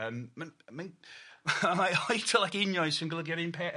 Yym ma'n mae'n mae oedl ac einioes yn golygu yr un peth â bywyd.